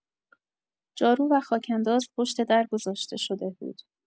جارو و خاک‌انداز پشت در گذاشته شده بود.